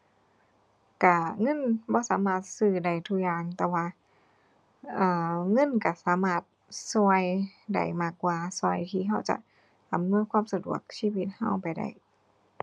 ก็เงินบ่สามารถซื้อได้ทุกอย่าง แต่ว่า เอ่อ เงินก็สามารถก็ได้มากกว่า ก็ที่ก็จะอำนวยความสะดวกชีวิตก็ไปได้